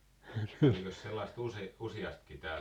kävikös sellaista - useinkin täällä